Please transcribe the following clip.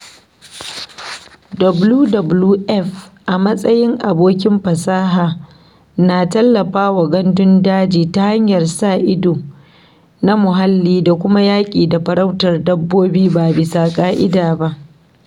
WWF a matsayin abokin fasaha na tallafawa gandun dajin ta hanyar sa ido na muhalli da kuma yaki da farautar dabbobi ba bisa ka’ida ba.